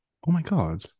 Oh my God.